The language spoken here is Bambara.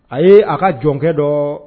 A ye a ka jɔnkɛ dɔ